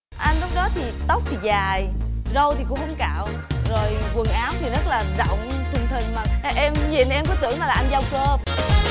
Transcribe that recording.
anh lúc đó thì tóc thì dài râu thì cũng không cạo rồi quần áo thì rất là rộng thùng thình mà em nhìn em cứ tưởng là anh giao